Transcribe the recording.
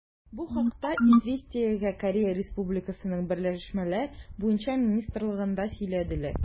Бу хакта «Известия»гә Корея Республикасының берләшмәләр буенча министрлыгында сөйләделәр.